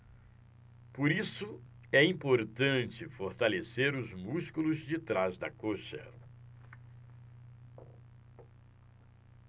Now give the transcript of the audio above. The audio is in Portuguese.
por isso é importante fortalecer os músculos de trás da coxa